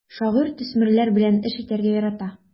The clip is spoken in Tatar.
Шагыйрь төсмерләр белән эш итәргә ярата.